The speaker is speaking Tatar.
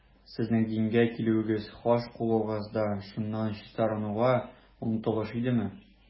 Сезнең дингә килүегез, хаҗ кылуыгыз да шуннан чистарынуга омтылыш идеме?